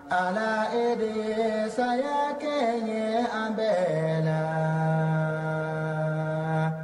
Ala e de ye saya kɛ ye an bɛ la